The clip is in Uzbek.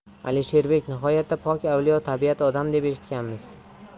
alisherbek nihoyatda pok avliyotabiat odam deb eshitganmiz